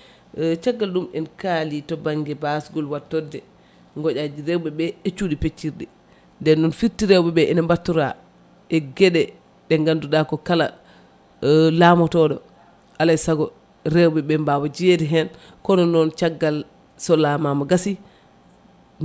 caggal ɗum en kaali to banggue basgol wattorde goƴaji rewɓeɓe e cuuɗi peccirɗi nden noon firti rewɓeɓe ene battora e gueɗe ɗe ganduɗa ko kala laamotoɗo alay saago rewɓe mbawa jeeyede hen kono noon caggal so laamama gasi